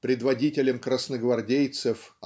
предводителем красногвардейцев